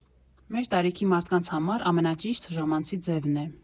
Մեր տարիքի մարդկանց համար ամենաճիշտ ժամանցի ձևն է։